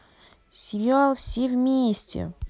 сериал все вместе